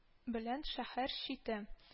Белән шәһәр чите